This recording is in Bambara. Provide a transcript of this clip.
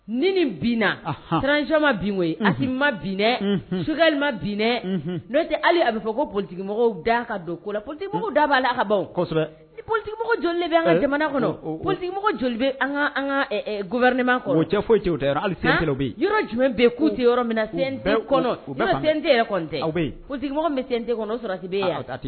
Ni binna siranma mainɛ suka ma binɛ n'o tɛ hali a bɛ fɔ ko politigikimɔgɔ da ka don ko politigimɔgɔ da b'a la ka pmɔgɔ bɛ an ka kɔnɔmɔgɔma yɔrɔ jumɛn bɛ'u tɛ yɔrɔte tɛmɔgɔte kɔnɔ